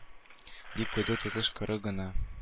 Дип куйды тотыш коры гына